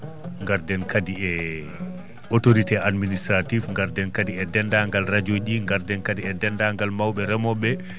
garden kadi e autorité administrative garden kadi e deenndaangal radio :ji ɗi garden kadi e deenndaangal mawɓe remooɓe ɓee